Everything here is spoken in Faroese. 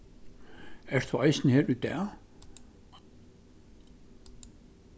ert tú eisini her í dag